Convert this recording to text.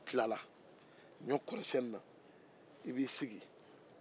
n'i tilala ɲɔ kɔrɔsiyɛnni na i b'i sigi